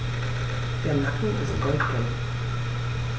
Der Nacken ist goldgelb.